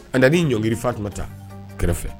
A nana ɲɔngifa tun taa kɛrɛfɛ